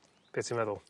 Be' ti'n meddwl?